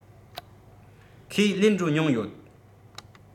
ཁས ལེན འགྲོ མྱོང ཡོད